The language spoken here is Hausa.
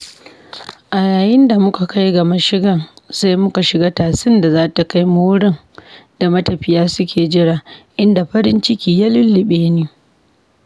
A yayin da muka kai ga mashigan, sai muka shiga tasin da za ta kai mu wurin da matafiya suke jira, inda farin ciki ya lulluɓe ni.